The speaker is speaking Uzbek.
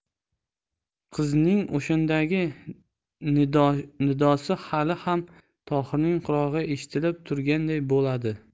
qizning o'shandagi nidosi hali ham tohirning qulog'iga eshitilib turganday bo'ladi